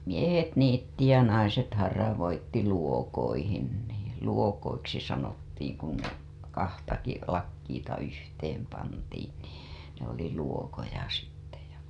miehet niitti ja naiset haravoi luokoihin niin luokoiksi sanottiin kun kahtakin lakkiita yhteen pantiin niin ne oli luokoja sitten ja